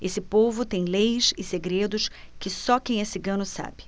esse povo tem leis e segredos que só quem é cigano sabe